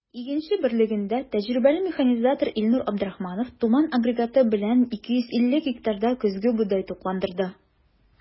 “игенче” берлегендә тәҗрибәле механизатор илнур абдрахманов “туман” агрегаты белән 250 гектарда көзге бодай тукландырды.